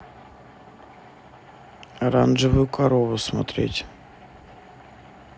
оранжевую корову смотреть